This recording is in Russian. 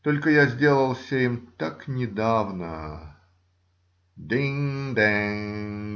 Только я сделался им так недавно. "Динг-данг!